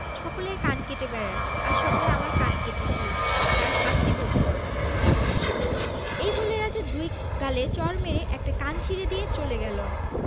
সকলের কান কেটে বেড়াস আজ সকালে আমার কান কেটেছিস তার শাস্তি ভোগ কর এই বলে রাজার দুই গালে চড় মেরে একটা কান ছিড়ে দিয়ে চলে গেল